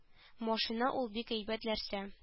Машина ул бик әйбәт нәрсә